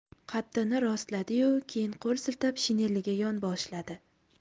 qaddini rostladi yu keyin qo'l siltab shineliga yonboshladi